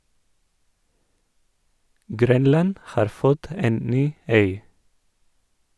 Grønland har fått en ny øy.